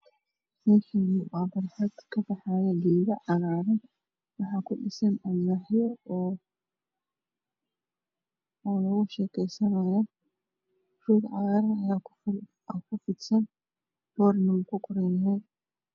Meshan waa barxad ka paxaayo geedo cagaaran. Waxaa ku dhisan alwaax wayo oo lagu shee kee sanaayo roog cagaaran ayaa ku fidsan poorna wuu ku qoran yahy